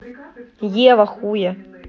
ева хуя